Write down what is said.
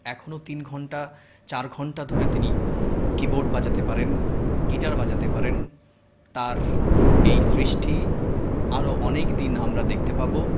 এখনও তিনঘন্টা ৪ ঘণ্টা ধরে তিনি কিবোর্ড বাজাতে পারেন গিটার বাজাতে পারেন তার এই সৃষ্টি আরো অনেক দিন আমরা দেখতে পাব